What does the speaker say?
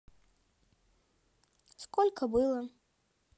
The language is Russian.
сколько было